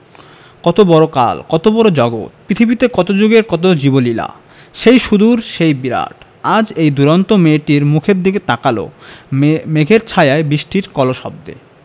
কত বড় কাল কত বড় জগত পৃথিবীতে কত জুগের কত জীবলীলা সেই সুদূর সেই বিরাট আজ এই দুরন্ত মেয়েটির মুখের দিকে তাকাল মেঘের ছায়ায় বৃষ্টির কলশব্দে